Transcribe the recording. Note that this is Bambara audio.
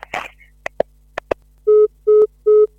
Wa